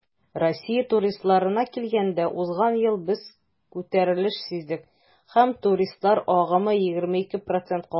Россия туристларына килгәндә, узган ел без күтәрелеш сиздек һәм туристлар агымы 22 %-ка артты.